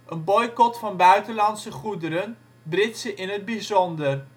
boycot van buitenlandse goederen, Britse in het bijzonder